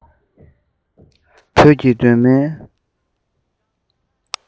བོད ཀྱི གདོད མའི